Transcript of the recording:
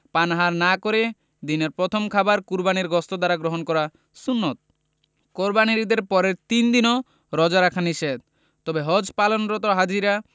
পানাহার না করে দিনের প্রথম খাবার কোরবানির গোশত দ্বারা গ্রহণ করা সুন্নাত কোরবানির ঈদের পরের তিন দিনও রোজা রাখা নিষেধ তবে হজ পালনরত হাজিরা